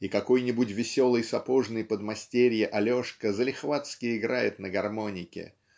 и какой-нибудь веселый сапожный подмастерье Алешка залихватски играет на гармонике